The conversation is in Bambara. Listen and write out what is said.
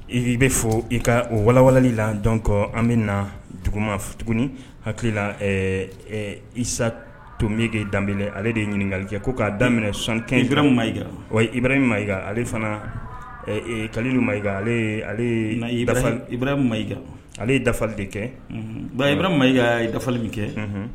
I i bɛ fɔ i ka o wawali la dɔn kɔ an bɛ na dugu ma tuguni hakili isa to bɛge dab ale de ye ɲininkakali kɛ ko k'a daminɛ sɔnb mayii ira ma ika ale fana kalidu mayika ib maka ale ye dafali de kɛ ba ibara ma ili min kɛ